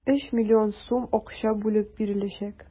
3 млн сум акча бүлеп биреләчәк.